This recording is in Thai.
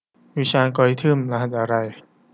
วิชาอัลกอริทึมรหัสอะไร